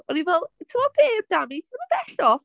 O'n ni fel ti'n gwybod beth Dami? Ti ddim yn bell off.